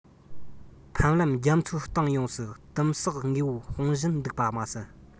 ཕལ ལམ རྒྱ མཚོའི གཏིང ཡོངས སུ དིམ བསགས དངོས པོ སྤུང བཞིན འདུག པ མ ཟད